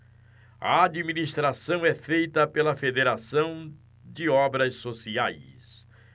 a administração é feita pela fos federação de obras sociais